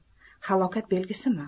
halokat belgisimi